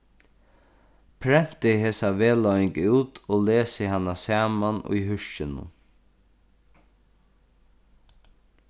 prentið hesa vegleiðing út og lesið hana saman í húskinum